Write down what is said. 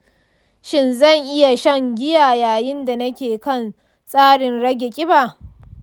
shin zan iya shan giya yayin da nake kan tsarin rage kiba?